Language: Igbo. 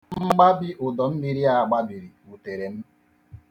Mgbabi udọ mmiri a gbabiri wutere m.